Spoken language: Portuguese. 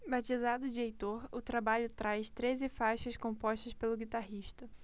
batizado de heitor o trabalho traz treze faixas compostas pelo guitarrista